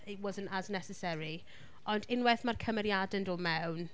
It wasn't as necessary. Ond unwaith mae'r cymeriadau’n dod mewn...